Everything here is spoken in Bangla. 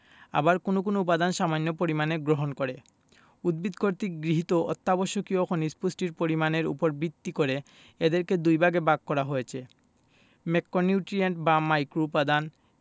আবার কোনো কোনো উপাদান সামান্য পরিমাণে গ্রহণ করে উদ্ভিদ কর্তৃক গৃহীত অত্যাবশ্যকীয় খনিজ পুষ্টির পরিমাণের উপর ভিত্তি করে এদেরকে দুইভাগে ভাগ করা হয়েছে ম্যাকোনিউট্রিয়েন্ট বা মাইক্রোউপাদান